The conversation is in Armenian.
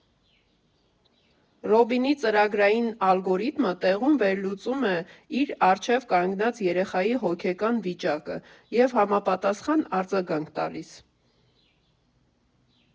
Ռոբինի ծրագրային ալգորիթմը տեղում վերլուծում է իր առջև կանգնած երեխայի հոգեկան վիճակը և համապատասխան արձագանք տալիս։